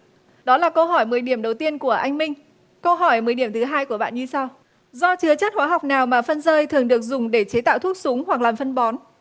đó là câu hỏi mười điểm đầu tiên của anh minh câu hỏi mười điểm thứ hai của bạn như sau do chứa chất hóa học nào mà phân dơi thường được dùng để chế tạo thuốc súng hoặc làm phân bón